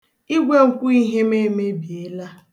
Igwenkwọihe m emebiela